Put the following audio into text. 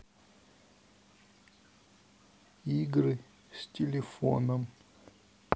игры с телефоном